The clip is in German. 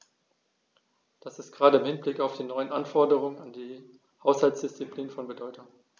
Dies ist gerade im Hinblick auf die neuen Anforderungen an die Haushaltsdisziplin von Bedeutung.